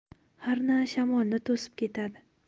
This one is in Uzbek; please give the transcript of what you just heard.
harna shamolni to'sib ketadi